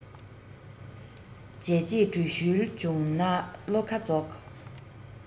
བྱས རྗེས དྲུད ཤུལ བྱུང ན བློ ཁ རྫོགས